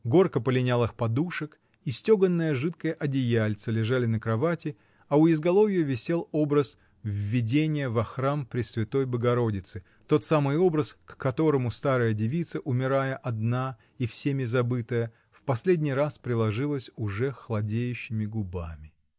горка полинялых подушек и стеганое жидкое одеяльце лежали на кровати, а у изголовья висел образ "Введение во храм пресвятой богородицы", -- тот самый образ, к которому старая девица, умирая одна и всеми забытая, в последний раз приложилась уже хладеющими губами.